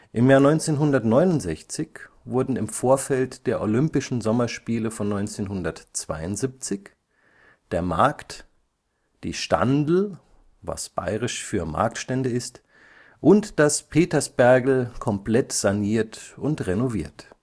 Im Jahre 1969 wurden im Vorfeld der Olympischen Sommerspiele von 1972 der Markt, die Standl (bayerisch für Marktstände) und das Petersbergl komplett saniert und renoviert